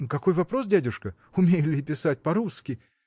– Какой вопрос, дядюшка: умею ли писать по-русски!